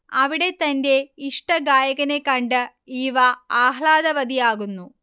അവിടെ തന്റെ ഇഷ്ടഗായകനെ കണ്ട് ഈവ ആഹ്ലാദവതിയാകുന്നു